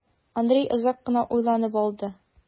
Андрей озак кына уйланып алды.